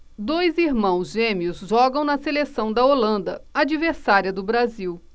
dois irmãos gêmeos jogam na seleção da holanda adversária do brasil